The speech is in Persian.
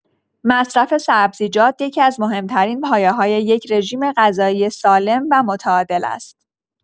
مصرف سبزیجات یکی‌از مهم‌ترین پایه‌های یک رژیم‌غذایی سالم و متعادل است.